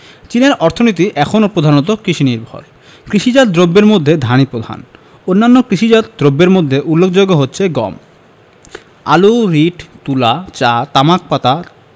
চীনের অর্থনীতি এখনো প্রধানত কৃষিনির্ভর কৃষিজাত দ্রব্যের মধ্যে ধানই প্রধান অন্যান্য কৃষিজাত দ্রব্যের মধ্যে উল্লেখযোগ্য হচ্ছে গম আলু রীট তুলা চা তামাক পাতা